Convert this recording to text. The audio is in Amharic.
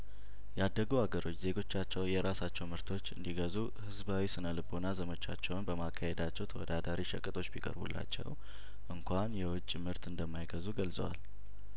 ያደጉ አገሮች ዜጐቻቸው የራሳቸው ምርቶች እንዲገዙ ህዝባዊ ስነልቦና ዘመቻቸውን በማካሄዳቸው ተወዳዳሪ ሸቀጦች ቢቀርቡላቸው እንኳን የውጭ ምርት እንደማይገዙ ገልጸዋል